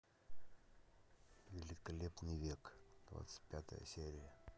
великолепный век двадцать пятая серия